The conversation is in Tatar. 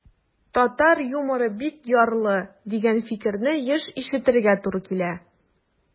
Татар юморы бик ярлы, дигән фикерне еш ишетергә туры килә.